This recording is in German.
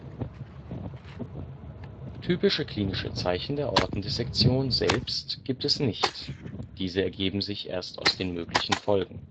Typische klinische Zeichen der Aortendissektion selbst gibt es nicht, diese ergeben sich erst aus den möglichen Folgen